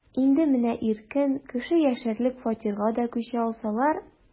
Инде менә иркен, кеше яшәрлек фатирга да күчә алсалар...